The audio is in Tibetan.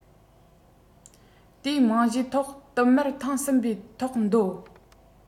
དེའི རྨང གཞིའི ཐོག བསྟུད མར ཐེངས གསུམ པའི ཐོག འདོད